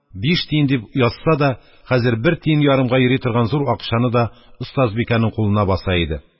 Биш тиен дип язса да, хәзер бер тиен ярымга йөри торган зур акчаны да остазбикәнең кулына баса иде.